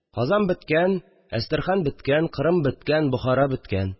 Казан беткән, Әстерхан беткән, Кырым беткән, Бохара беткән